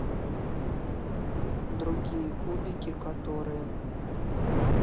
другие кубики которые